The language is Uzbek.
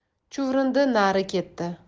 chuvrindi nari ketdi